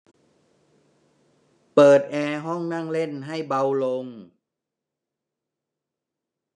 เปิดแอร์ห้องนั่งเล่นให้เบาลง